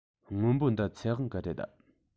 སྔོན པོ འདི ཚེ དབང གི རེད